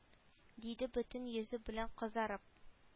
Диде бөтен йөзе белән кызарып